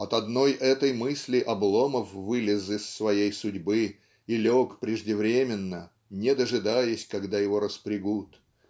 от одной этой мысли Обломов вылез из своей судьбы и лег преждевременно не дожидаясь когда его распрягут.